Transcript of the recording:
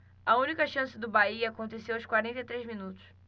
a única chance do bahia aconteceu aos quarenta e três minutos